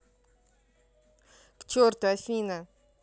к черту афина